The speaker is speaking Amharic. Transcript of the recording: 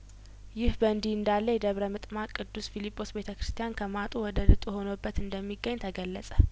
ይህ በእንዲህ እንዳለ የደብረ ምጥማቅ ቅዱስ ፊልጶስ ቤተ ክርስቲያን ከማጡ ወደ ድጡ ሆኖበት እንደሚገኝ ተገለጸ